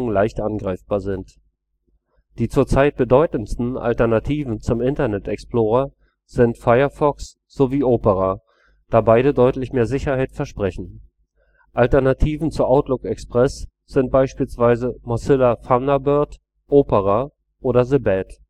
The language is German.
leicht angreifbar sind. Die zurzeit bedeutendsten Alternativen zum Internet Explorer sind Firefox sowie Opera, da beide deutlich mehr Sicherheit versprechen. Alternativen zu Outlook Express sind beispielsweise Mozilla Thunderbird, Opera oder The Bat